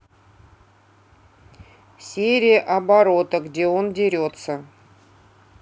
серия оборота где он дерется